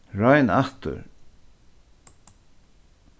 royn aftur